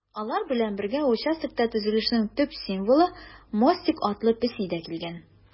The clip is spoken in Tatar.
Алар белән бергә участокта төзелешнең төп символы - Мостик атлы песи дә килгән.